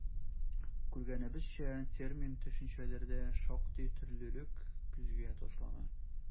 Күргәнебезчә, термин-төшенчәләрдә шактый төрлелек күзгә ташлана.